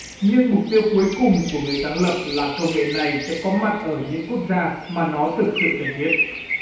nhưng mục tiêu cuối cùng của người sáng lập là công nghệ này sẽ có mặt ở những quốc gia mà nó thực sự cần thiết